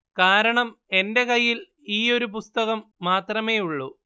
കാരണം എന്റെ കയ്യിൽ ഈ ഒരു പുസ്തകം മാത്രമേ ഉള്ളൂ